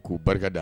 K'u barika da